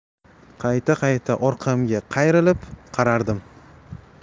qayta qayta orqamga qayrilib qarardim